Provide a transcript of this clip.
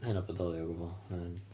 Ma' hynna'n bodoli o gwbl, yym...